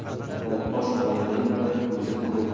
xolposh xolaning bir ko'zi ko'r